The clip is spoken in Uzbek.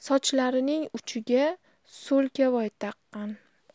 sochlarining uchiga so'lkavoy taqqan